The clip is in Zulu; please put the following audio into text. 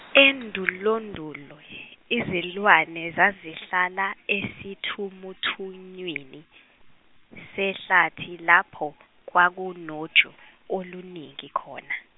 endulondulo izilwane zazihlala esithumuthunywini sehlathi lapho kwakunoju oluningi khona.